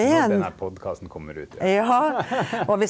den her podkasten kommer ut .